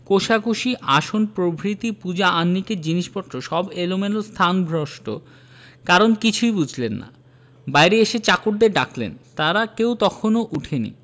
কোষাকুষি আসন প্রভৃতি পূজা আহ্নিকের জিনিসপত্রগুলো সব এলোমেলো স্থানভ্রষ্ট কারণ কিছুই বুঝলেন না বাইরে এসে চাকরদের ডাকলেন তারা কেউ তখনও ওঠেনি